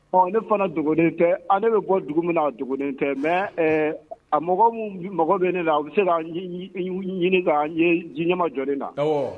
Ɔ ne fana dugunen tɛ ale bɛ bɔ dugu min na a tɛ mɛ a mɔgɔ mɔgɔ bɛ ne na a bɛ se ɲini jinɛ ɲɛma jɔlen na